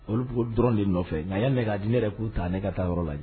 Olu b dɔrɔn de nɔfɛ a ye nɛgɛ diinɛ yɛrɛ k'u ta ne ka taa yɔrɔ lajɛ